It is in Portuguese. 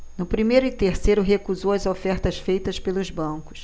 no primeiro e terceiro recusou as ofertas feitas pelos bancos